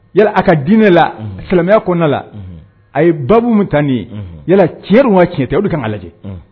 Yala a ka diinɛ la silamɛya kɔnɔna la a ye ba min ta nin ye yala cɛ ka tiɲɛ tɛ o ka ala lajɛ